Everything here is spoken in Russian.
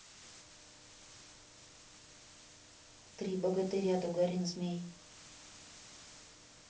три богатыря тугарин змей